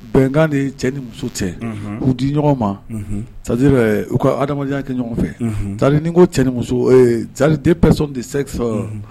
Bɛnkan de cɛ ni muso cɛ k'u di ɲɔgɔn ma sa u ka adamadenya kɛ ɲɔgɔn fɛri ni ko cɛ ni musori tɛ psɔn de se